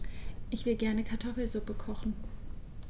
Ich will gerne Kartoffelsuppe kochen.